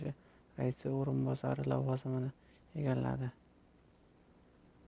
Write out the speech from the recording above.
kengashi raisi o'rinbosari lavozimini egalladi